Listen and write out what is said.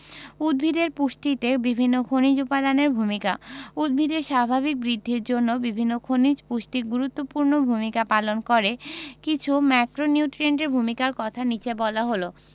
উদ্ভিদের পুষ্টিতে বিভিন্ন খনিজ উপাদানের ভূমিকা উদ্ভিদের স্বাভাবিক বৃদ্ধির জন্য বিভিন্ন খনিজ পুষ্টি গুরুত্বপূর্ণ ভূমিকা পালন করে কিছু ম্যাক্রোনিউট্রিয়েন্টের ভূমিকার কথা নিচে বলা হল